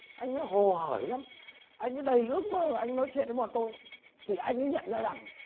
anh ấy hồ hởi lắm anh ấy đầy ước mơ anh nói chuyện với bọn tôi thì anh ấy nhận ra rằng